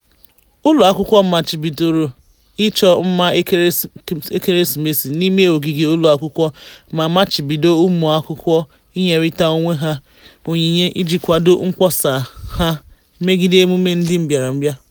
Ụlọakwụkwọ machibidoro ịchọ mma ekeresimesi n'ime ogige ụlọakwụkwọ ma machibido ụmụakwụkwọ ịnyerịta onwe ha onyinye iji kwado mkpọsa ha megide emume ndị mbịarambịa.